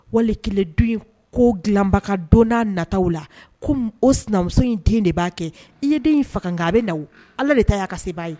Walikelen du in ko dilabaga don n'a nataw la, ko o sinamuso in den de b'a kɛ i ye den in faga nk'a bɛ na allah de ta ya ka se baa ye!